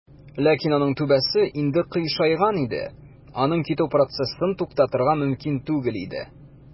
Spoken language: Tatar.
Ләкин аның түбәсе инде "кыйшайган" иде, аның китү процессын туктатырга мөмкин түгел иде.